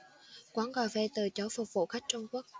quán cà phê từ chối phục vụ khách trung quốc